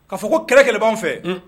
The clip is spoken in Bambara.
Kaa fɔ ko kɛlɛ kɛlɛ' fɛ